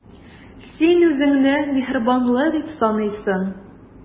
Син үзеңне миһербанлы дип саныйсың.